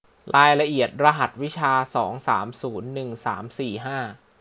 รายละเอียดรหัสวิชาสองสามศูนย์หนึ่งสามสี่ห้า